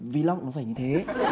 vi lốc nó phải như thế